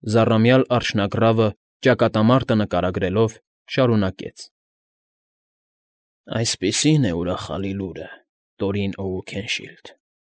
Զառամյալ արջնագռավը, ճակատամարտը նկարագրելով, շարունակեց. ֊ Այդպիսին է ուրախալի լուրը, Տորին Օուքենշիլդ։